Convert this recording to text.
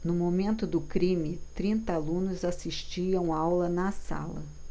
no momento do crime trinta alunos assistiam aula na sala